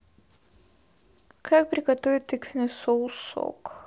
как приготовить тыквенный соус сок